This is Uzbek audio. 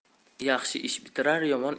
yaxshi ish bitirar